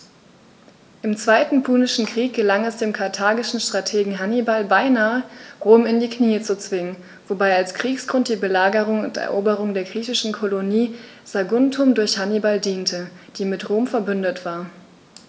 Im Zweiten Punischen Krieg gelang es dem karthagischen Strategen Hannibal beinahe, Rom in die Knie zu zwingen, wobei als Kriegsgrund die Belagerung und Eroberung der griechischen Kolonie Saguntum durch Hannibal diente, die mit Rom „verbündet“ war.